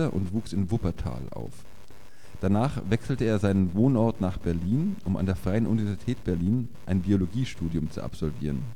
wuchs in Wuppertal auf. Danach wechselte er seinen Wohnort nach Berlin, um an der Freien Universität Berlin ein Biologie-Studium zu absolvieren